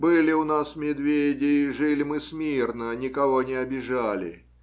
Были у нас медведи - жили мы смирно, никого не обижали.